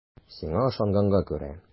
Сиңа ышанганга күрә.